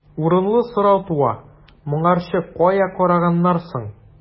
Урынлы сорау туа: моңарчы кая караганнар соң?